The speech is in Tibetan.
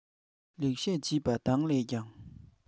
ལེགས བཤད བྱིས པ དག ལས ཀྱང